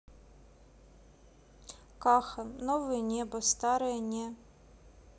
каха новое небо старое не